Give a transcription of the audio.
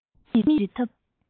རྩོམ ཡིག འབྲི ཐབས